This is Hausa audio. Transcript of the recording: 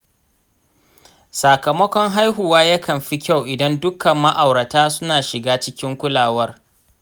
sakamakon haihuwa yakan fi kyau idan dukkan ma’aurata suna shiga cikin kulawar.